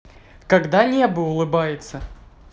когда небо улыбается